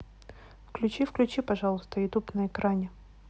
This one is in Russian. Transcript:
включи включи пожалуйста ютуб на экране